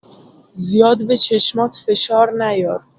زیاد به چشمات فشار نیار.